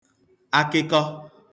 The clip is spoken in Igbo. akịkọ